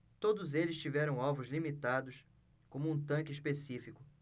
todos eles tiveram alvos limitados como um tanque específico